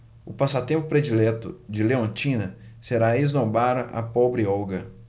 o passatempo predileto de leontina será esnobar a pobre olga